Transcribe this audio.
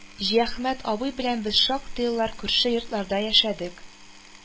Җиәхмәт абый белән без шактый еллар күрше йортларда яшәдек